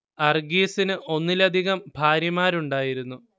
അർഗീസിന് ഒന്നിലധികം ഭാര്യമാരുണ്ടായിരുന്നു